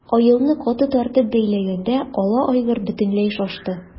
Аелны каты тартып бәйләгәндә ала айгыр бөтенләй шашты.